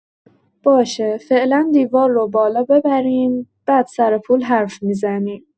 باشه، فعلا دیوار رو بالا ببریم، بعد سر پول حرف می‌زنیم.